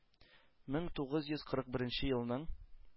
Мең тугыз йөз кырык беренче елның